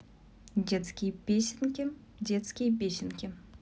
детские песенки детские песенки